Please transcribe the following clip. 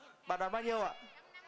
bạn đoán bao nhiêu ạ